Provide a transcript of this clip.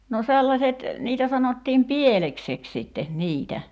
no sellaiset niitä sanottiin pielekseksi sitten niitä